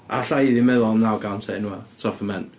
Alla i ddim meddwl am naw gant o enwau top fy mhen.